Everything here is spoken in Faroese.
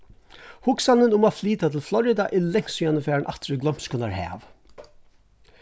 hugsanin um at flyta til florida er langt síðan farin aftur í gloymskunnar hav